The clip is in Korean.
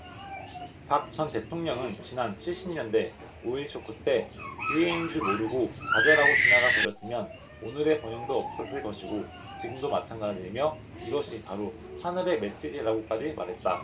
박 대통령은 지난 칠십 년대 오일쇼크 때 기회인 줄 모르고 좌절하고 지나가버렸으면 오늘의 번영도 없었을 것이고 지금도 마찬가지이며 이것이 바로 하늘의 메시지라고까지 말했다